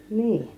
niin